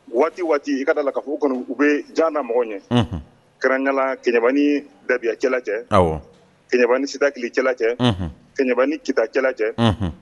Waati o waati i ka d'a la ka fɔ k'u bɛ jan da mɔgɔw ɲɛ, unhun, kɛrɛnkɛnneyala Kɛɲɛba ni Dabiya cɛ la cɛ, awɔ , Kɛɲɛba ni Sitakili cɛ la cɛ, unhun , Kɛɲɛba ni kita cɛ